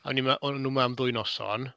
O'n i ma' o'n nhw 'ma am dwy noson.